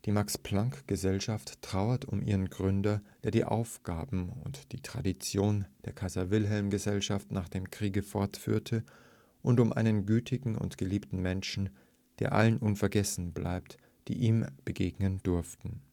Max-Planck-Gesellschaft trauert um ihren Gründer, der die Aufgaben und die Tradition der Kaiser-Wilhelm-Gesellschaft nach dem Kriege fortführte, und um einen gütigen und geliebten Menschen, der allen unvergessen bleibt, die ihm begegnen durften